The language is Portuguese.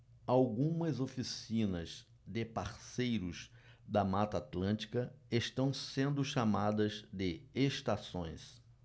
algumas oficinas de parceiros da mata atlântica estão sendo chamadas de estações